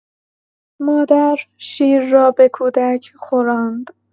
مادر شیر را به کودک خوراند